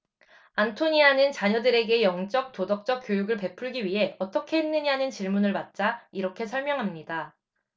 안토니아는 자녀들에게 영적 도덕적 교육을 베풀기 위해 어떻게 했느냐는 질문을 받자 이렇게 설명합니다